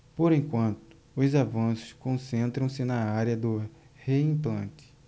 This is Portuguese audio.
por enquanto os avanços concentram-se na área do reimplante